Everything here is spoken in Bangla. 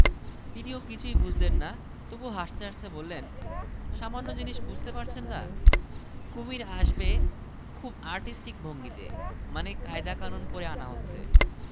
তিনিও কিছুই বুঝলেন না তবু হাসতে হাসতে বললেন সামান্য জিনিস বুঝতে পারছেন না কুমীর আসবে খুব আর্টিস্টিক ভঙ্গিতে মানে কায়দা কানুন করে আনা হচ্ছে